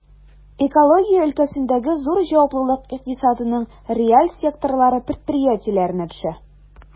Экология өлкәсендәге зур җаваплылык икътисадның реаль секторлары предприятиеләренә төшә.